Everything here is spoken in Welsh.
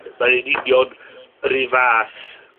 ...mae yn union 'run fath